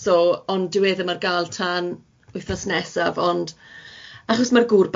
so, ond dyw e ddim ar gal tan wthnos nesaf ond achos ma'r gŵr